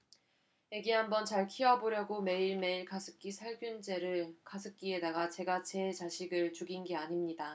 애기 한번 잘 키워보려고 매일매일 가습기 살균제를 가습기에다가 제가 제 자식을 죽인 게 아닙니다